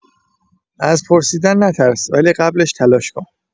از پرسیدن نترس، ولی قبلش تلاش کن.